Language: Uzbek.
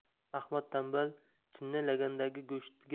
ahmad tanbal chinni lagandagi go'shtga